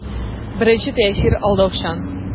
Беренче тәэсир алдаучан.